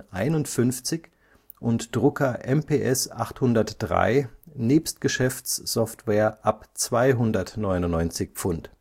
1551 und Drucker MPS 803 nebst Geschäftssoftware ab 299 £